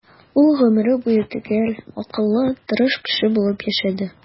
Ул гомере буе төгәл, акыллы, тырыш кеше булып яшәде.